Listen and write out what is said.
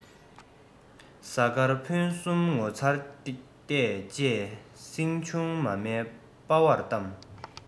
གཟའ སྐར ཕུན ཚོགས ངོ མཚར ལྟས བཅས སྲིང ཆུང མ མའི སྤ བར བལྟམས